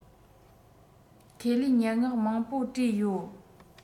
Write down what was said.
ཁས ལེན སྙན ངག མང པོ བྲིས ཡོད